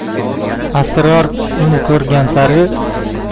asror uni ko'rgan sari tirik